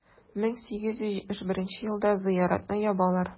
1871 елда зыяратны ябалар.